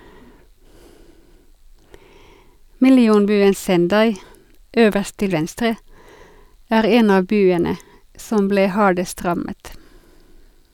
Millionbyen Sendai (øverst til venstre) er en av byene som ble hardest rammet.